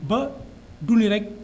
ba du ne rek